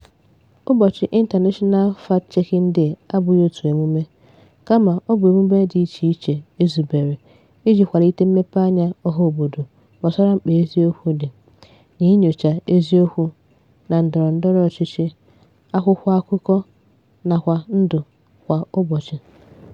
Ụbọchị International Fact-Checking Day abụghị otu emume, kama ọ bụ emume dị icheiche e zubere iji kwalite mmepeanya ọhaobodo gbasara mkpa eziokwu dị — na inyocha eziokwu - na ndọrọndọrọ ọchịchị, akwụkwọ akụkọ, nakwa ndụ kwa ụbọchị.